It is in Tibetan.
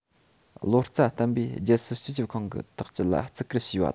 བློ རྩ བརྟན པོས རྒྱལ སྲིད སྤྱི ཁྱབ ཁང གི ཐག བཅད ལ བརྩི བཀུར ཞུས པ དང